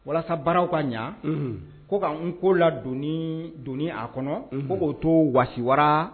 Walasa baararaww ka ɲa ɲɛ ko' n ko ladon don a kɔnɔ ko k'o to wa wara